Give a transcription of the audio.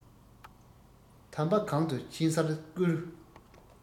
དམ པ གང དུ ཕྱིན སར བཀུར